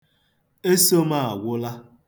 Eso m agwụla.